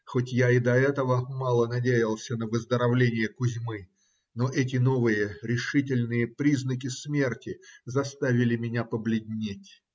Хоть я и до этого мало надеялся на выздоровление Кузьмы, но эти новые решительные признаки смерти заставили меня побледнеть.